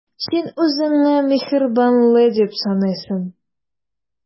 Син үзеңне миһербанлы дип саныйсың.